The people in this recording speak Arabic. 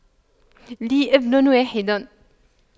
لي ابن واحد